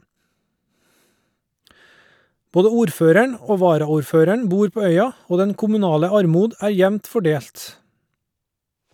Både ordføreren og varaordføreren bor på øya , og den kommunale armod er jevnt fordelt.